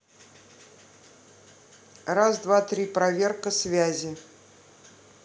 раз два три проверка связи